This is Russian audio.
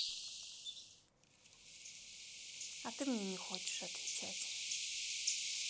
а ты мне не хочешь отвечать